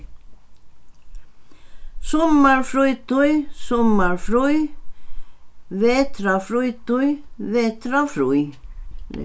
summarfrítíð summarfrí vetrarfrítíð vetrarfrí